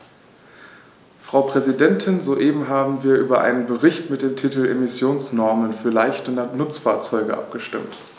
Frau Präsidentin, soeben haben wir über einen Bericht mit dem Titel "Emissionsnormen für leichte Nutzfahrzeuge" abgestimmt.